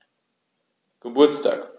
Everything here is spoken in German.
Geburtstag